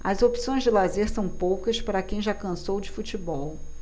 as opções de lazer são poucas para quem já cansou de futebol